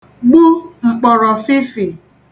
gbu m̀kpọ̀rọ̀fịfị̀